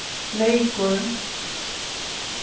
leykur